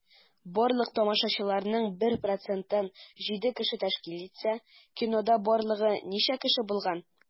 Барлык тамашачыларның 1 процентын 7 кеше тәшкил итсә, кинода барлыгы ничә кеше булган?